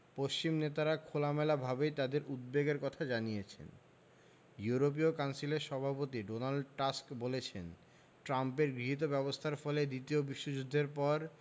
পশ্চিমা নেতারা খোলামেলাভাবেই তাঁদের উদ্বেগের কথা জানিয়েছেন ইউরোপীয় কাউন্সিলের সভাপতি ডোনাল্ড টাস্ক বলেছেন ট্রাম্পের গৃহীত ব্যবস্থার ফলে দ্বিতীয় বিশ্বযুদ্ধের পর